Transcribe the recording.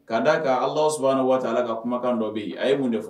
K' d daa ka ala su waati ala ka kumakan dɔ bi a ye mun de fɔ